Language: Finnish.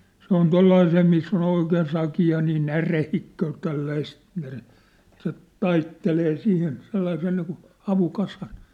se on tuollaiseen missä on oikein sakea niin näreikköä tällaista - se taittelee siihen sellaisen niin kuin havukasan